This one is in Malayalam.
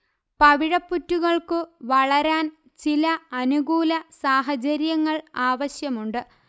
പവിഴപ്പുറ്റുകൾക്കു വളരാൻ ചില അനുകൂല സാഹചര്യങ്ങൾ ആവശ്യമുണ്ട്